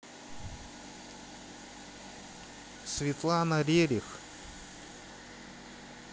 светлана рерих